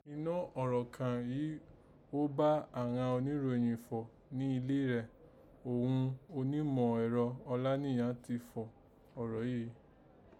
Nínọ́ ọ̀rọ̀ kàn yìí gho bá àghan oníròyìn fọ̀ ni ilé rẹ̀ òghun Onímọ̀ẹ̀rọ Ọláníyan to fọ̀ ọ̀rọ̀ yìí